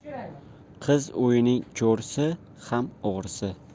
qiz uyning cho'risi ham o'g'risi